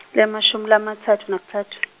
lamashumi lamatsatfu nakutsatfu.